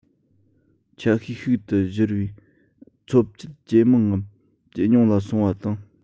ཆ ཤས ཤིག ཏུ བཞུར པའི འཚོ བཅུད ཇེ མང ངམ ཇེ ཉུང ལ སོང བ དང